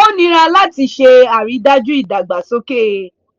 Ó nira láti ṣe àrídájú ìdàgbàsókè